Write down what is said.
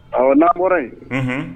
Ɔ n'an bɔra yen